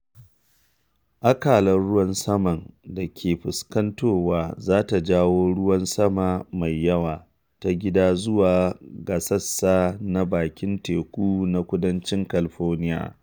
Akalar ruwan saman da ke fuskantowa za ta jawo ruwan sama mai yawa ta gida zuwa ga sassa na bakin teku na Kudancin California.